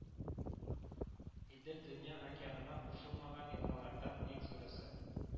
Идел дөнья океанына кушылмаган елгалардан иң зурысы